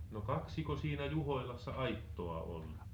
no kaksiko siinä Juhoilassa aittaa on